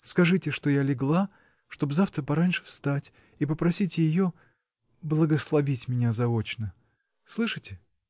Скажите, что я легла, чтоб завтра пораньше встать, и попросите ее. благословить меня заочно. Слышите?